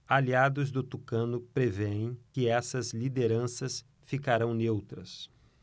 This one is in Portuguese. aliados do tucano prevêem que essas lideranças ficarão neutras